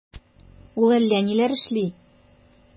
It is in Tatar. Ул әллә ниләр эшли...